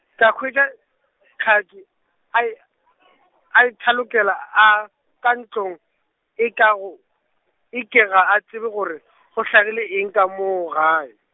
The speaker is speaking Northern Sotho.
ka hwetša , Tlhaka a i- , a ithalokela a ka ntlong, e ka go, e ke ga a tsebe gore , go hlagile eng ka moo gae.